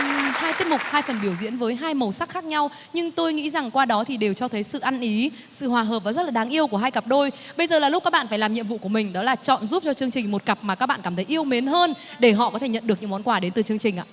hai tiết mục hai phần biểu diễn với hai màu sắc khác nhau nhưng tôi nghĩ rằng qua đó thì đều cho thấy sự ăn ý sự hòa hợp và rất là đáng yêu của hai cặp đôi bây giờ là lúc các bạn phải làm nhiệm vụ của mình đó là chọn giúp cho chương trình một cặp mà các bạn cảm thấy yêu mến hơn để họ có thể nhận được những món quà đến từ chương trình ạ